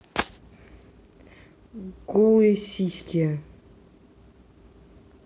голые сиськи